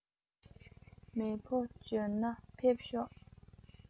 མི ཕོ འཇོན ན ཕེབས ཤོག